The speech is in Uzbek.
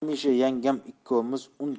hamisha yangam ikkovimiz uni